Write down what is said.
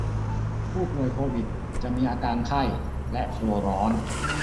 ผู้ป่วยโควิดจะมีอาการไข้และตัวร้อน